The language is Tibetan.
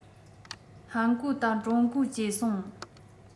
ཧན གོའི དང ཀྲུང གོའི ཅེས གསུང